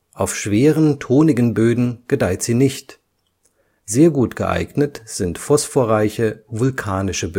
Auf schweren, tonigen Böden gedeiht sie nicht. Sehr gut geeignet sind phosphorreiche vulkanische